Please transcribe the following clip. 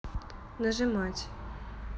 нажимать